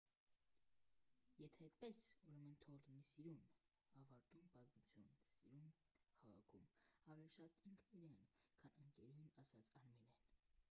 Եթե էդպես, ուրեմն թող լինի սիրուն, ավարտուն պատմություն՝ սիրուն քաղաքում, ֊ ավելի շատ ինքն իրեն, քան ընկերուհուն ասաց Արմինեն։